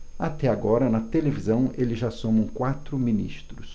até agora na televisão eles já somam quatro ministros